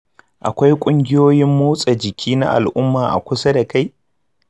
akwai ƙungiyoyin motsa jiki na al’umma a kusa da kai?